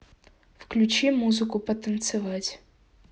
включи музыку потанцевать